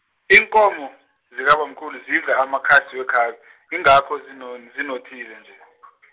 iinkomo , zikabamkhulu, zidla amakhasi wekhabe, yingakho zinon- zinothile nje .